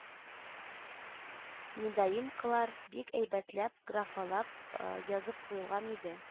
Недоимкалар бик әйбәтләп, графалап язып куелган иде